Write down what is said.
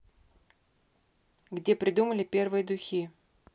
где придумали первые духи